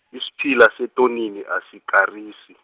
isipila setonini asikarisi.